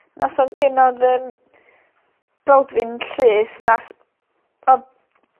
Noson cyn odd 'yn brawd fi'n llys nath odd